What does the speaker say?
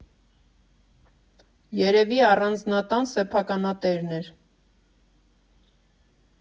Երևի առանձնատան սեփականատերն էր.